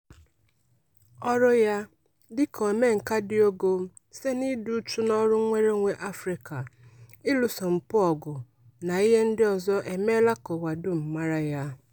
Ọrụ ya dịka omenka dị ogo site na ị dị uchu n'ọrụ nnwere onwe Afrịka, ịlụso mpụ ọgụ na ihe ndị ọzọ emeela ka ụwa dum mara ya.